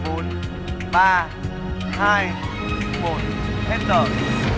bốn ba hai một hết giờ